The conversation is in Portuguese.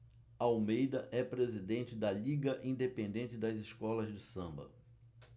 almeida é presidente da liga independente das escolas de samba